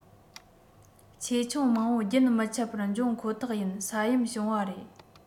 ཆེ ཆུང མང པོ རྒྱུན མི ཆད པར འབྱུང ཁོ ཐག ཡིན ས ཡོམ བྱུང བ རེད